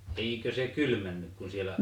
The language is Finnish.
eikö se kylmännyt kun siellä